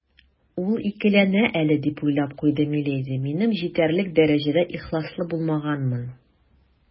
«ул икеләнә әле, - дип уйлап куйды миледи, - минем җитәрлек дәрәҗәдә ихласлы булмаганмын».